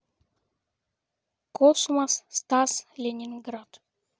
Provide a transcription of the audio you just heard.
космос стас ленинград